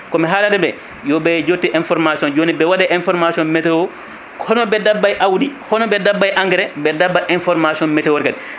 komi haalandeɓe yooɓe jontin information joni ɓe waɗe information météo hono ɓe ɗaɓɓay awdi hono hono ɓe ɗaɓɓay engrais ɓe ɗaɓɓa information météo ne kadi